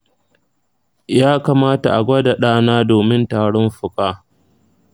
ya kamata a gwada ɗana domin tarin fuka?